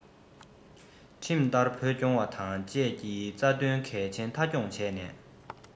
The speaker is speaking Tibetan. ཁྲིམས ལྟར བོད སྐྱོང བ དང བཅས ཀྱི རྩ དོན གལ ཆེན མཐའ འཁྱོངས བྱས ནས